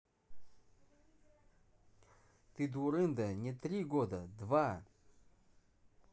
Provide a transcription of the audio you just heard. ты дурында не три года два